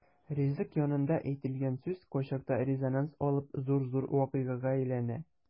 Ризык янында әйтелгән сүз кайчакта резонанс алып зур-зур вакыйгага әйләнә.